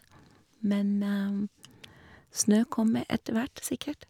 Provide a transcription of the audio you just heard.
Men snø kommer etter hvert, sikkert.